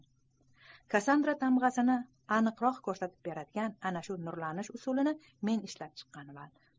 kassandra tamg'asini aniqroq ko'rsatib beradigan ana shu nurlanish usulini men ishlab chiqqanman